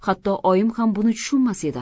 hatto oyim ham buni tushunmas edi